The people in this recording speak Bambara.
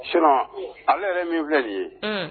Siran ale yɛrɛ min filɛ nin ye